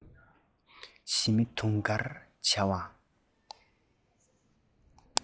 ཞི མི དུང དཀར བྱ བ